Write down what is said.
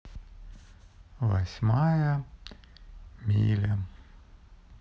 восьмая миля